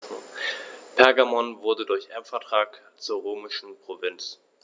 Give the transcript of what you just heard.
Pergamon wurde durch Erbvertrag zur römischen Provinz.